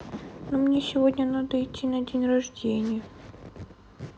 ну мне сегодня надо идти на день рождения